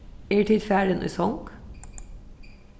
eru tit farin í song